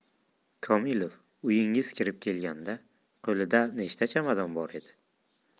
komilov uyingiz kirib kelganida qo'lida nechta chamadon bor edi